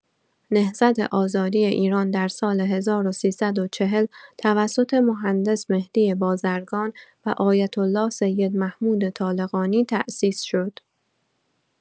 نهضت آزادی ایران در سال ۱۳۴۰ توسط مهندس مهدی بازرگان و آیت‌الله سیدمحمود طالقانی تأسیس شد.